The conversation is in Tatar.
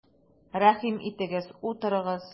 Рәхим итегез, утырыгыз!